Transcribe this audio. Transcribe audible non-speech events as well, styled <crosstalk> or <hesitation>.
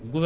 <hesitation> <hesitation>